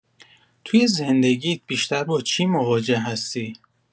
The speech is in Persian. توی زندگیت بیشتر با چی مواجه هستی؟